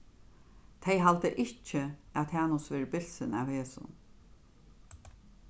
tey halda ikki at hanus verður bilsin av hesum